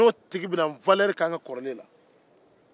o tigi bɛ walɛri kɛ an ka kɔrɔlen na